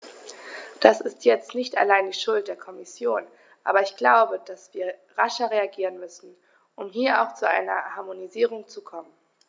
Das ist jetzt nicht allein die Schuld der Kommission, aber ich glaube, dass wir rascher reagieren müssen, um hier auch zu einer Harmonisierung zu kommen.